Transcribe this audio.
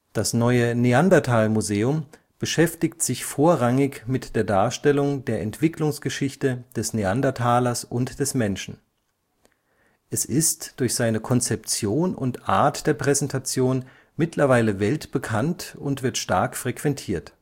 Das neue Neanderthal-Museum beschäftigt sich vorrangig mit der Darstellung der Entwicklungsgeschichte des Neandertalers und des Menschen. Es ist durch seine Konzeption und Art der Präsentation mittlerweile weltbekannt und wird stark frequentiert